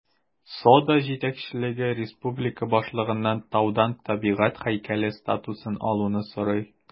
Сода җитәкчелеге республика башлыгыннан таудан табигать һәйкәле статусын алуны сорый.